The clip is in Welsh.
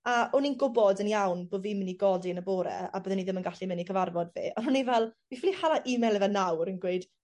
a o'n i'n gwbod yn iawn bo' fi'n myn' i godi yn y bore a byddwn i ddim yn gallu myn' i cyfarfod fi. A o'n i fel fi ffili hala email i fe nawr yn gweud